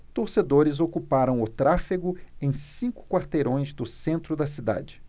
torcedores ocuparam o tráfego em cinco quarteirões do centro da cidade